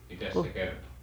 mitäs se kertoi